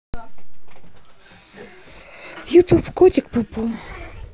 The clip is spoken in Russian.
ютуб котик пу пу